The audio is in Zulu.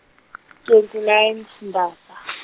twenty nine Mbasa.